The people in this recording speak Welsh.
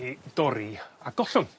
i dorri a gollwng